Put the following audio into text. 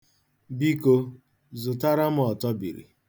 Biko, zụtara m ọtọbiri.